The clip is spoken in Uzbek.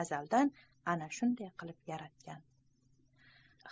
azaldan ana shunday qilib yaratgan